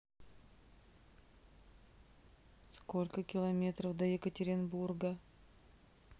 сколько километров до екатеринбурга